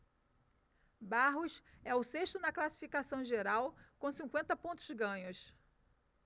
barros é o sexto na classificação geral com cinquenta pontos ganhos